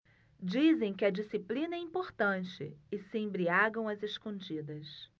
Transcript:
dizem que a disciplina é importante e se embriagam às escondidas